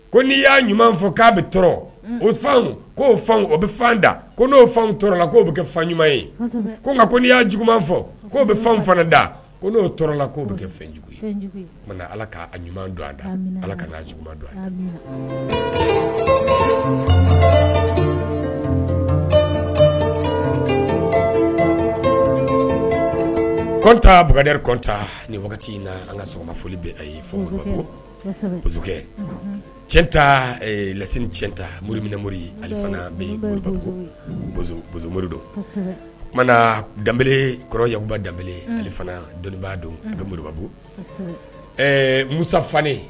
Ko n'i y'a ɲuman fɔ k'a bɛ tɔɔrɔ o fan k'o fan o bɛ fan da ko n'o fan tɔɔrɔla k'o bɛ kɛ fa ɲuman ye ko nka ko n'i y'a jugu fɔ k'o bɛ fan fan da ko n'o tɔɔrɔla k'o bɛ kɛ fɛnjugu ye ala'a ɲuman don a da ala ka'a juguba don a kɔntan bakarijanda kɔntan ni in na an ka sɔgɔma foli bɛ bokɛ cɛn layita morimo ali fana bɛ bomo don o danbeb kɔrɔyba danbeb ali fana dɔnnibaa don bɛ moribabugu musa fan